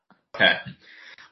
'K.